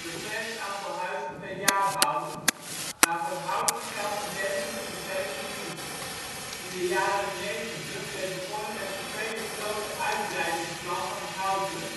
beperkt aantal huizen per jaar bouwen, maar voor Houten geldt een dergelijke beperking niet. In de jaren ' 90 werd begonnen met het tweede grote uitbreidingsplan van Houten